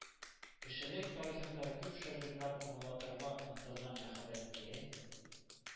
Кешелек тарихында күп шагыйрьләр аңлатырга омтылган мәхәббәткә